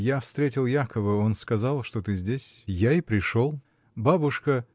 Я встретил Якова: он сказал, что ты здесь, я и пришел. Бабушка.